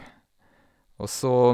Og så...